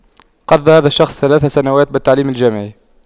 قضى هذا الشخص ثلاث سنوات بالتعليم الجامعي